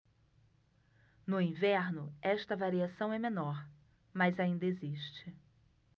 no inverno esta variação é menor mas ainda existe